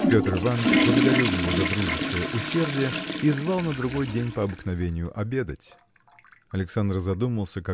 Петр Иваныч благодарил его за дружеское усердие и звал на другой день по обыкновению обедать. Александр задумался